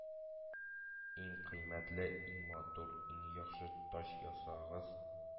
Иң кыйммәтле, иң матур, иң яхшы таҗ ясагыз,